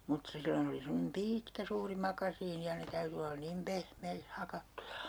mutta silloin oli semmoinen pitkä suuri makasiini ja ne täytyi olla niin pehmeiksi hakattuja